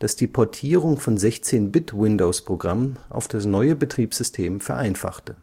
das die Portierung von 16-Bit-Windowsprogrammen auf das neue Betriebssystem vereinfachte